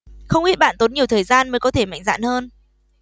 không ít bạn tốn nhiều thời gian mới có thể mạnh dạn hơn